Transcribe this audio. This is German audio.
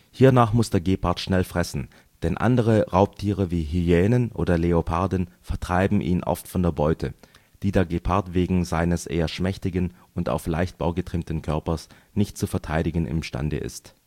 Hiernach muss der Gepard schnell fressen, denn andere Raubtiere wie Hyänen oder Leoparden vertreiben ihn oft von der Beute, die der Gepard wegen seines eher schmächtigen und auf Leichtbau getrimmten Körpers nicht zu verteidigen imstande ist